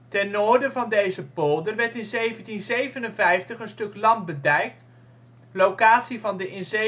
Ten noorden van deze polder werd in 1757 een stuk land bedijkt (locatie van de in